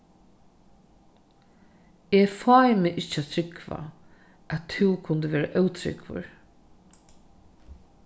eg fái meg ikki at trúgva at tú kundi vera ótrúgvur